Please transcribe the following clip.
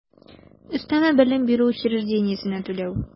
Өстәмә белем бирү учреждениесенә түләү